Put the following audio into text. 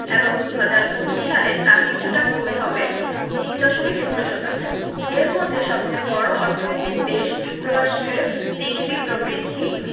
এবং ২০১৯ সালে তা কিছুটা কমে হবে ৩.০ শতাংশ এর মধ্যে সবচেয়ে বড় অর্থনৈতিক দেশ যুক্তরাষ্ট্রের জিডিপি প্রবৃদ্ধি